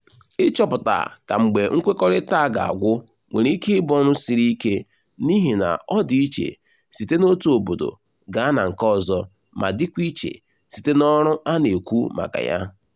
Ịchọpụta ka mgbe nkwekọrịta a ga-agwụ nwere ike ịbụ ọrụ siri ike n'ịhị na ọ dị iche site n'otu obodo gaa na nke ọzọ ma dịkwa iche site n'ọrụ a na-ekwu maka ya.